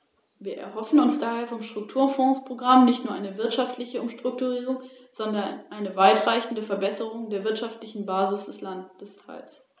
Einige Kollegen haben bereits über die Arbeitslosigkeit und den Bevölkerungsrückgang gesprochen.